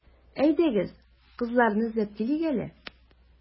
Әйдәгез, кызларны эзләп килик әле.